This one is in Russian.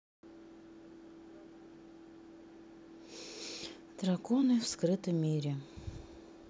драконы в скрытом мире